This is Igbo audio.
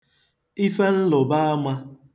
ihe nlụ̀baamā